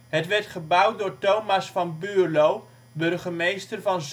Het werd gebouwd door Thomas van Buerlo, burgemeester van